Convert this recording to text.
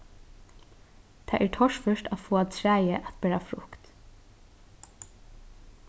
tað er torført at fáa træið at bera frukt